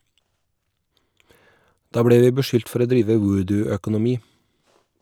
Da ble vi beskyldt for å drive voodooøkonomi.